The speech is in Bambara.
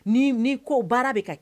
Ni ni ko baara bɛ ka kɛ